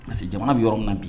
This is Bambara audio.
Parce que jamana y yɔrɔ min bi